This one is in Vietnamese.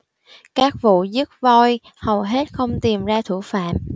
các vụ giết voi hầu hết không tìm ra thủ phạm